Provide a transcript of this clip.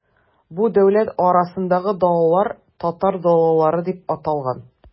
Бу дәүләт арасындагы далалар, татар далалары дип аталган.